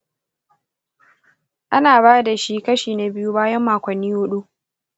ana ba da kashi na biyu bayan makonni huɗu.